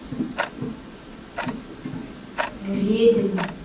вредена